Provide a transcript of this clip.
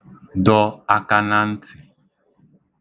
dọ̄ ākānān̄tị̀